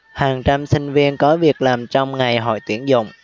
hàng trăm sinh viên có việc làm trong ngày hội tuyển dụng